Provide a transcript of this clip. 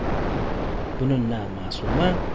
buni na ma'suma